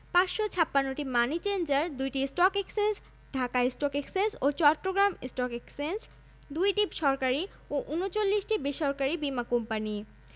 ৫৫৬টি money changer ২টি stock exchange Dhaka stock exchange ও চট্টগ্রাম স্টক এক্সচেঞ্জ ২টি সরকারি ও ৩৯টি বেসরকারি বীমা কোম্পানি